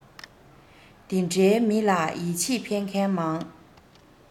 དེ འདྲའི མི ལ ཡིད ཆེས ཕན མཁན མང